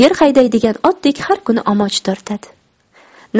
yer haydaydigan otdek har kuni omoch tortadi